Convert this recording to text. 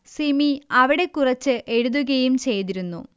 സിമി അവിടെ കുറച്ചു എഴുതുകയും ചെയ്തിരുന്നു